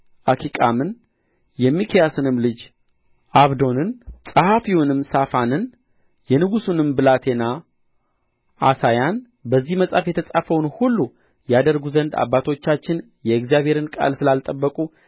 አኪቃምን የሚክያስንም ልጅ ዓብዶንን ጸሐፊውንም ሳፋንን የንጉሡንም ብላቴና ዓሳያን በዚህ መጽሐፍ የተጻፈውን ሁሉ ያደርጉ ዘንድ አባቶቻችን የእግዚአብሔርን ቃል ስላልጠበቁ